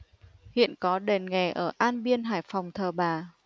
hiện có đền nghè ở an biên hải phòng thờ bà